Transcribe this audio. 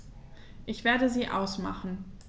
Ich werde sie ausmachen.